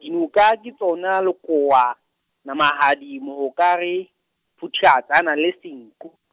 dinoka ke tsona, Lekoa, Namahadi, Mohokare, Phuthiatsana le Senqu.